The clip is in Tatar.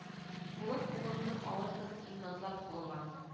Улын улыңның алырсың син назлап кулыңа